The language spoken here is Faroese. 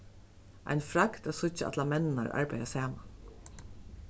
ein fragd at síggja allar menninar arbeiða saman